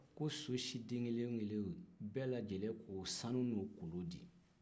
ko so siden kelen-kelen o bɛɛ lajɛlen ka o sanu n'o kolon di